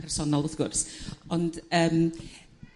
personol wrth gwrs ond yrm